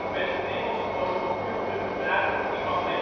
werd het Engelse woord computer gebruikt om iemand mee